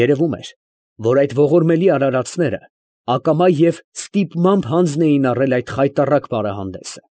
Երևում էր, որ այդ ողորմելի արարածները ակամա և ստիպմամբ հանձն էին առել այդ խայտառակ պարահանդեսը։